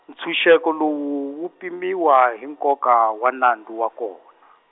ntshunxeko lowu wu pimiwa hi nkoka wa nandzu wa kona.